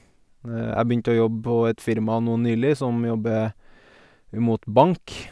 Jeg begynte å jobbe på et firma nå nylig som jobber imot bank.